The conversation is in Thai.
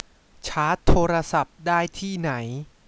ชาร์จโทรศัพท์ได้ที่ไหน